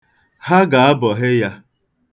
Ha ga-abọhe ya.